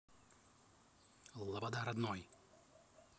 loboda родной